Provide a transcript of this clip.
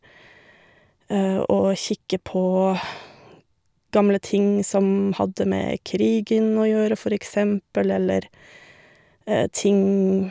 Og kikke på gamle ting som hadde med krigen å gjøre, for eksempel, eller ting...